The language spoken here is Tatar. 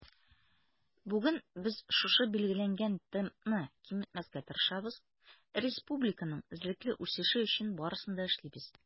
Бүген без шушы билгеләнгән темпны киметмәскә тырышабыз, республиканың эзлекле үсеше өчен барысын да эшлибез.